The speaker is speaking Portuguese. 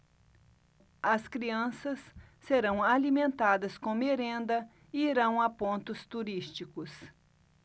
as crianças serão alimentadas com merenda e irão a pontos turísticos